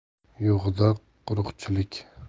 yo'g'ida quruqchilik